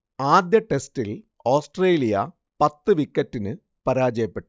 ആദ്യ ടെസ്റ്റിൽ ഓസ്ട്രേലിയ പത്ത് വിക്കറ്റിന് പരാജയപ്പെട്ടു